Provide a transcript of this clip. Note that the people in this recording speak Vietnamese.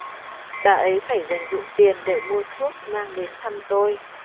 bà ấy phải dành dụm tiền để mua thuốc mang đến thăm tôi